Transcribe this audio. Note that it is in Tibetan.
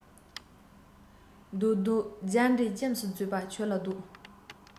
བཟློག བཟློག རྒྱ འདྲེ སྐྱེམས སུ བརྫུས པ ཁྱོད ལ བཟློག